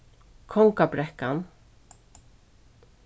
kongabrekkan